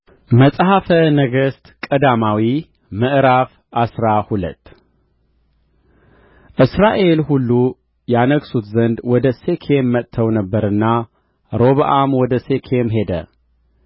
መጽሐፈ ነገሥት ቀዳማዊ ምዕራፍ አስራ ሁለት እስራኤል ሁሉ ያነግሡት ዘንድ ወደ ሴኬም መጥተው ነበርና ሮብዓም ወደ ሴኬም ሄደ